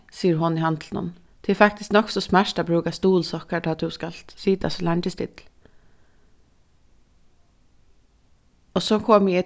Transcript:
sigur hon í handlinum tað er faktiskt nokk so smart at brúka stuðulssokkar tá tú skalt sita so leingi still og so komi eg